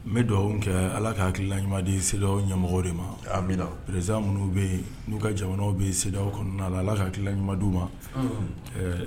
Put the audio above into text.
N bɛ dugawu kɛ ala ka kila ɲuman di se ɲɛmɔgɔ de ma a bi erez minnu bɛ yen n'u ka jamanaw bɛ sew kɔnɔna la ala ka kila ɲuman di u ma